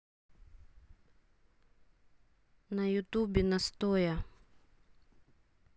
на ютубе настоя